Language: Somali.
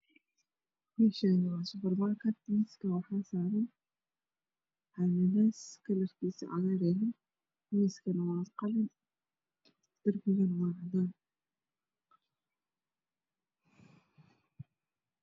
Meeshani waa subar maarkid miiska waxa saaran cannokalarkiisu cagaaryahay miiskuna waa cagaar darbiguna waa cagaaar